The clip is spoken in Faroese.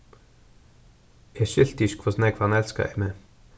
eg skilti ikki hvussu nógv hann elskaði meg